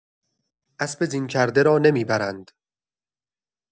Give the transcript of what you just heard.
اسب زین کرده را نمی‌برند